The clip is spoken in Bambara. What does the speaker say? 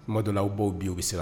Kuma donna aw b'o bi u bɛ siran